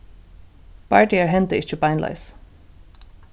bardagar henda ikki beinleiðis